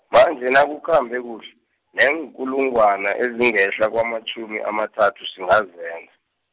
manje nakukhambe kuhle, neenkulungwana ezingehla kwamatjhumi amathathu singazenza.